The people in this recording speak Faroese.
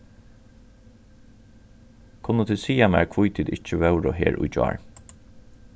kunnu tit siga mær hví tit ikki vóru her í gjár